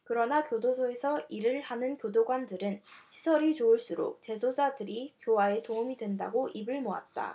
그러나 교도소에서 일을 하는 교도관들은 시설이 좋을수록 재소자들 교화에 도움이 된다고 입을 모았다